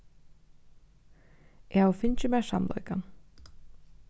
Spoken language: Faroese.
eg havi fingið mær samleikan